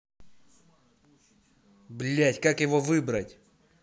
блядь как его выбрать